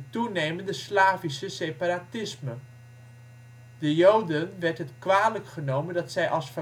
toenemende Slavische separatisme. De Joden werd het kwalijk genomen dat zij als